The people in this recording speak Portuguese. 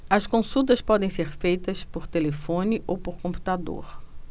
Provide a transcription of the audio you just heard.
as consultas podem ser feitas por telefone ou por computador